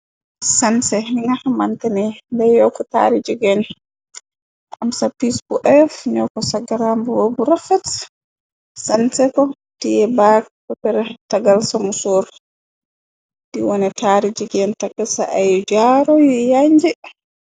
Sanse ngi nga xamantane da yokk taari jigeen am sa piis bu ayef ñoo ko sa garamb wo bu raxet sanse ko tie baak ppr tagal samu sóor di wone taari jigeen taka sa ay jaaro yu yanji.